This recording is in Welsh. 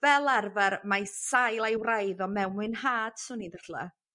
fel arfar mae sail a'i wraidd o mewn mwynhad 'swn i ddadle.